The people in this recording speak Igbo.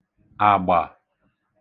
àgbà